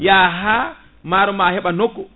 ya haa maaro ma heeɓa nokku